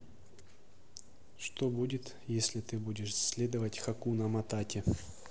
что будет если ты будешь следовать хакуна матате